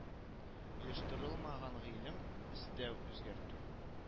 Оештырылмаган гыйлем эстәү үзгәртү